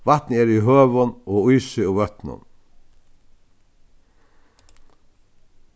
vatnið er í høvum og ísi og vøtnum